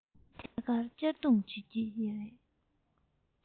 ཐད ཀར གཅར རྡུང བྱེད ཀྱི རེད